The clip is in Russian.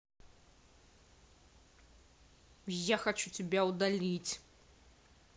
я хочу тебя удалить